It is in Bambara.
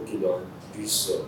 O ki bi'i sɔn